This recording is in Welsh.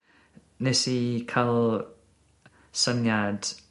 Nes i ca'l syniad